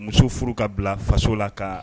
Muso furu ka bila faso la k'a